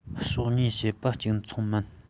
གཞོགས གཉིས བཤད པ གཅིག མཚུངས མིན